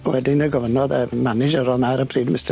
Wedyn y gofynnodd y manager o' 'na ar y pryd Mista...